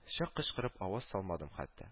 Чак кычкырып аваз салмадым хәтта